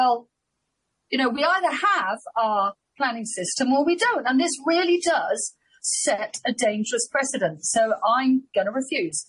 Well, you know we either have our planning system or we don't, and this really does set a dangerous precedent, so I'm gonna refuse.